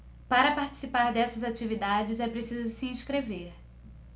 para participar dessas atividades é preciso se inscrever